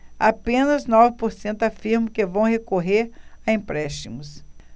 apenas nove por cento afirmam que vão recorrer a empréstimos